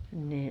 niin